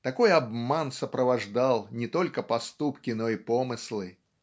такой обман сопровождал не только поступки но и помыслы!